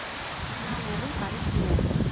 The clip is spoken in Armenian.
Գնա մեռի՝ արի սիրեմ։